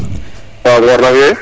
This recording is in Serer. wa Ngor na fio ye